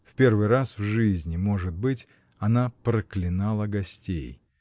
В первый раз в жизни, может быть, она проклинала гостей.